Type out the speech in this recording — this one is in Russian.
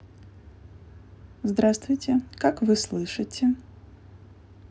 здравствуйте как вы слышите